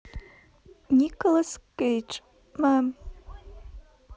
николас кейдж мем